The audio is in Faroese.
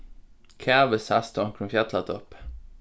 kavi sæst á onkrum fjallatoppi